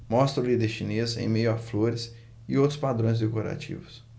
mostra o líder chinês em meio a flores e outros padrões decorativos